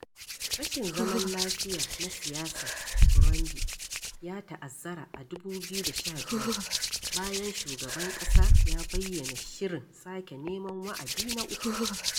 … Rashin zaman lafiya na siyasa a Burundi ya ta'azzara a 2015 bayan shugaban ƙasa ya bayyana shirin sake neman wa'adi na uku.